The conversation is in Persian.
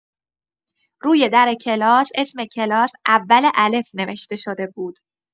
روی در کلاس اسم کلاس اول-الف نوشته شده بود.